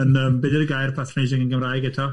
Yn yym be di'r gair patrnasing yn Gymraeg eto?